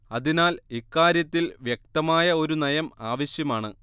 അതിനാൽ ഇക്കാര്യത്തിൽ വ്യക്തമായ ഒരു നയം ആവശ്യമാണ്